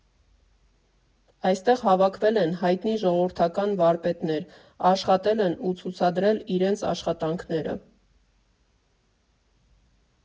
Այստեղ հավաքվել են հայտնի ժողովրդական վարպետներ, աշխատել են ու ցուցադրել իրենց աշխատանքները։